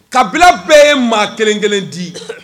Kabila bɛɛ ye maa kelen kelen di